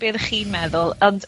...be oddech chi'n meddwl ond,